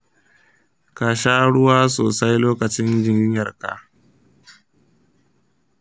ka sha ruwa sosai lokacin jinyarka.